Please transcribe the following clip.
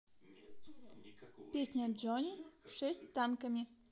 песня johnny шесть танками